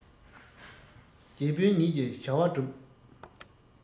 རྗེ དཔོན ཉིད ཀྱི བྱ བ སྒྲུབ